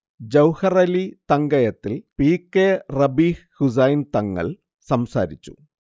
ജൗഹറലി തങ്കയത്തിൽ P K Rabeeh Hussain Thangal സംസാരിച്ചു